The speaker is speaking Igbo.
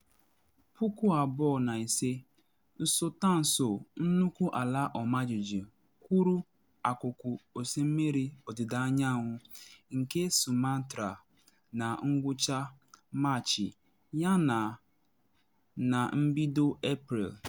2005: Nsotanso nnukwu ala ọmajiji kụrụ akụkụ osimiri ọdịda anyanwụ nke Sumatra na ngwụcha Machị yana na mbido Eprel.